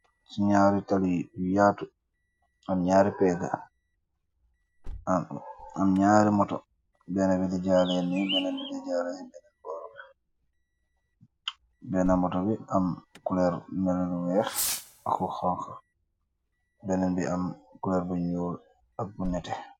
Si ñaaru tali yu yaatu, am Nyari pegga, am ñaari moto, benna bi di jaaree ne benen bi di jaaree bennen booro bi, benna moto bi am kuleer bu mel ne lu weex ak lu xonxa, bennna bi am kuleer bu ñuul ak bu nete